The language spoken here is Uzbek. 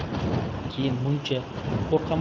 keyin muncha qurqaman